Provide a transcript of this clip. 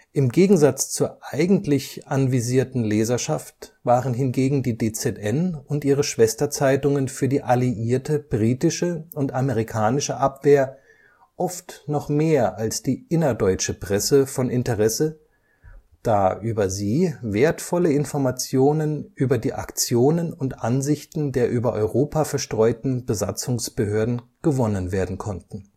Im Gegensatz zur eigentlich anvisierten Leserschaft waren hingegen die DZN und ihre Schwesterzeitungen für die alliierte britische und amerikanische Abwehr oft noch mehr als die innerdeutsche Presse von Interesse, da über sie wertvolle Informationen über die Aktionen und Ansichten der über Europa verstreuten Besatzungsbehörden gewonnen werden konnten